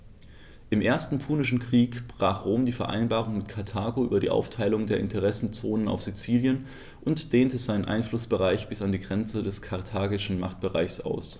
Im Ersten Punischen Krieg brach Rom die Vereinbarung mit Karthago über die Aufteilung der Interessenzonen auf Sizilien und dehnte seinen Einflussbereich bis an die Grenze des karthagischen Machtbereichs aus.